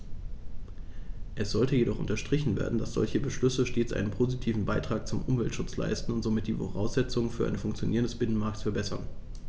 Es sollte jedoch unterstrichen werden, dass solche Beschlüsse stets einen positiven Beitrag zum Umweltschutz leisten und somit die Voraussetzungen für ein Funktionieren des Binnenmarktes verbessern.